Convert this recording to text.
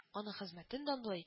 Аның хезмәтен данлый